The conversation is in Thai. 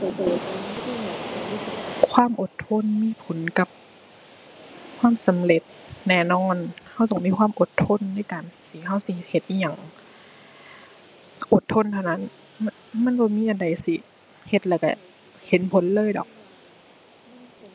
ความอดทนมีผลกับความสำเร็จแน่นอน เราต้องมีความอดทนในการที่เราสิเฮ็ดอิหยัง อดทนเท่านั้น มะ มันบ่มีอันใดสิเฮ็ดแล้วเราเห็นผลเลยดอก